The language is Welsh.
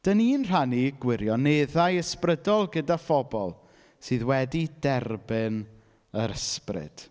Dan ni'n rhannu gwirioneddau ysbrydol gyda phobl sydd wedi derbyn yr ysbryd.